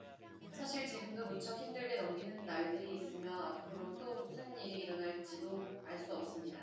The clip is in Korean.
사실 지금도 무척 힘들게 넘기는 날들이 있으며 앞으로 또 무슨 일이 일어날지도 알 수 없습니다